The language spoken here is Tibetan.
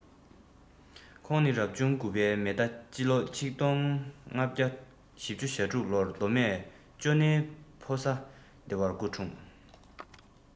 ཁོང ནི རབ བྱུང དགུ བའི མེ རྟ ཕྱི ལོ ༡༥༤༦ ལོར མདོ སྨད ཅོ ནེའི ཕོ ས སྡེ བར སྐུ འཁྲུངས